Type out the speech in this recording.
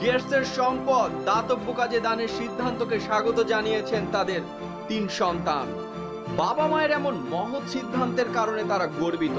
গেটসের সম্পদ দাতব্য কাজে দানের সিদ্ধান্তকে স্বাগত জানিয়েছেন তাদের তিন সন্তান বাবা মায়ের এমন মহৎ সিদ্ধান্তর কারণে তারা গর্বিত